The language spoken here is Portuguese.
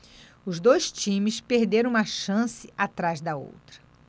os dois times perderam uma chance atrás da outra